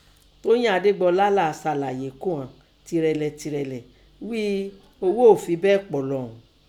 Tóyìn Adégbọlá lá sàlàyé ko an tìrẹ̀lẹ̀ tìrẹ̀lẹ̀ ghíi oghó ò fin bẹ́ẹ̀ pọ̀ lọ́ọ́ un.